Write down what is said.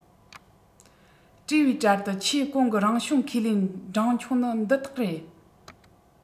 བཀྲུས པའི གྲལ དུ ཆེས གོང གི རང བྱུང ཁེ ལས འབྲིང ཆུང ནི འདི དག རེད